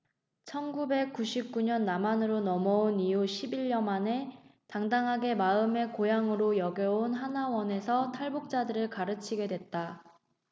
천 구백 구십 구 년 남한으로 넘어온 이후 십 일 년 만에 당당하게 마음의 고향으로 여겨온 하나원에서 탈북자들을 가르치게 됐다